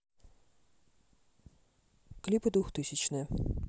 клипы двухтысячные